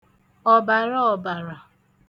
ọ̀bàraọ̀bàrà